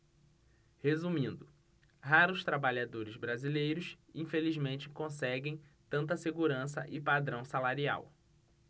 resumindo raros trabalhadores brasileiros infelizmente conseguem tanta segurança e padrão salarial